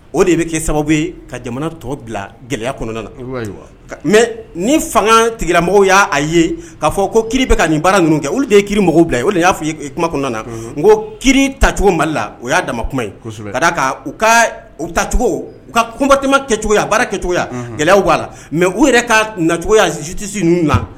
O de bɛ kɛ sababu ka jamana tɔ bila gɛlɛya kɔnɔna na mɛ ni fanga tigila mɔgɔw y'a a ye k'a fɔ ko kiri bɛ ka nin baara ninnu kɛ olu de ye kiiri mɔgɔw bila o n y'a fɔ i kuma na n ko ki tacogo mali la o y'a dama kuma ye ka u ka u tacogo u ka kunbatima kɛcogoya baara kɛcogoya gɛlɛya b'a la mɛ u yɛrɛ ka nacogoya sin tɛsi ninnu la